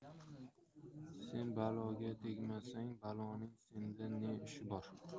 sen baloga tegmasang baloning senda ne ishi bor